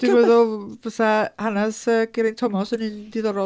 Diddorol fysa hanes yy Geraint Thomas yn un ddiddorol...